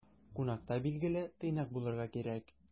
Кунакта, билгеле, тыйнак булырга кирәк.